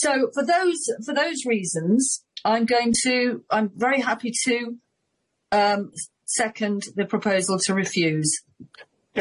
So for those for those reasons I'm going to I'm very happy to yym second the proposal to refuse.